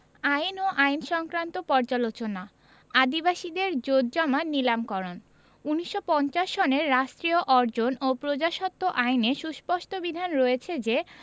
আইন ও আইন সংক্রান্ত পর্যালোচনা আদিবাসীদের জোতজমা নীলামকরণ ১৯৫০ সনের রাষ্ট্রীয় অর্জন ও প্রজাস্বত্ব আইনে সুস্পষ্ট বিধান রয়েছে যে